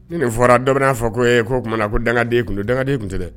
Nin ni fɔra dɔ bɛna fɔ ko ee k'o tumana ko dangaden tun don, dangaden tun tɛ dɛ